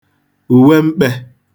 ùwe mkpē